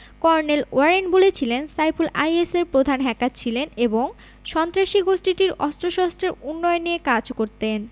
colonel Warren বলেছিলেন সাইফুল আইএসের প্রধান হ্যাকার ছিলেন এবং সন্ত্রাসী গোষ্ঠীটির অস্ত্রশস্ত্রের উন্নয়ন নিয়ে কাজ করতেন